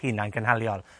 hunan gynhaliol.